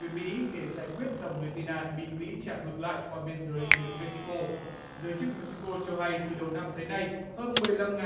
với mĩ để giải quyết dòng người tị nạn bị mĩ trả ngược lại qua biên giới phía mê xi cô giới chức mê xi cô cho hay từ đầu năm tới nay hơn mười lăm ngàn